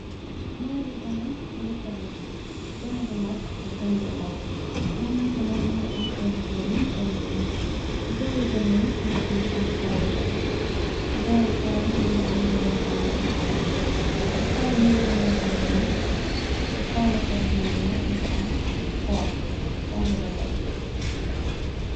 Nyaari gëne ñi ngi tege gëne bu mag ak gëne gu ndaw ñoom ñopp nag ñu ngi am seen kuur i seen biir di boori gëney mi ngi am ay xeer yu tege ci boori xaere mëngi am benn ànd bu fanekk ci kaw më ngi am lakat bu mag ci kaw lakat yu maginag më ngi am kooki leket.